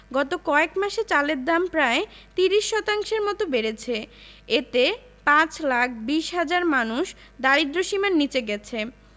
গত কয়েক মাসে চালের দাম প্রায় ৩০ শতাংশের মতো বেড়েছে এতে ৫ লাখ ২০ হাজার মানুষ দারিদ্র্যসীমার নিচে গেছে